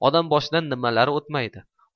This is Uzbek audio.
odam boshidan nimalar o'tmaydi